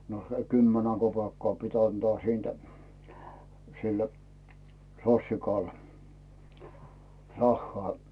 no se kymmenen kopeekkaa piti antaa siitä sille sossikalle rahaa